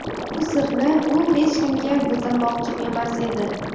bu sirni u hech kimga bildirmoqchi emas edi